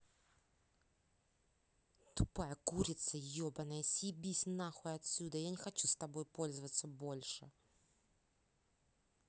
тупая курица ебаная съебись нахуй отсюда я не хочу с тобой пользоваться больше